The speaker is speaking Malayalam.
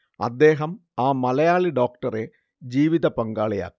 അദ്ദേഹം ആ മലയാളി ഡോക്ടറെ ജീവിതപങ്കാളിയാക്കി